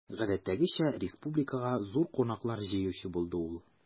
Гадәттәгечә, республикага зур кунаклар җыючы булды ул.